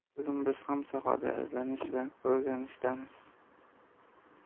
bugun biz hamma sohada izlanish va o'rganishdamiz